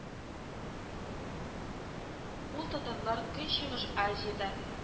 Ул татарлар Көнчыгыш Азиядә: